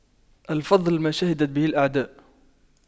الفضل ما شهدت به الأعداء